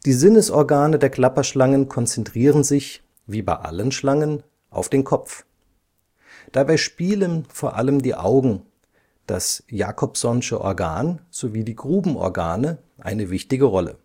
Sinnesorgane der Klapperschlangen konzentrieren sich, wie bei allen Schlangen, auf den Kopf. Dabei spielen vor allem die Augen, das Jacobsonsche Organ sowie die Grubenorgane eine wichtige Rolle